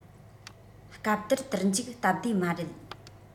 སྐབས དེར དུར འཇུག སྟབས བདེ མ རེད